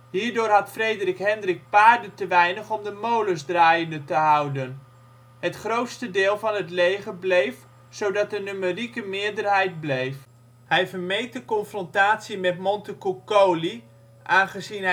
Hierdoor had Frederik Hendrik paarden te weinig om de molens draaiende te houden. Het grootste deel van het leger bleef zodat de numerieke meerderheid bleef. Hij vermeed een confrontatie met Montecucculi, aangezien